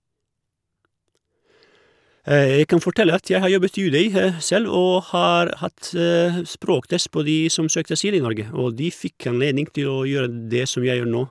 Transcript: Jeg kan fortelle at jeg har jobbet i UDI selv, og har hatt språktest på de som søkte asyl i Norge, og de fikk anledning til å gjøre det som jeg gjør nå.